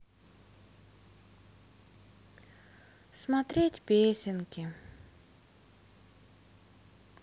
смотреть песенки